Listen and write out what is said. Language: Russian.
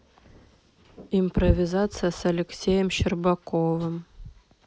импровизация с алексеем щербаковым